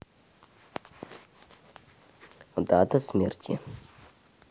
дата смерти